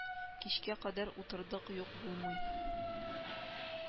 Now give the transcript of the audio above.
Кичкә кадәр урытдык, юк булмый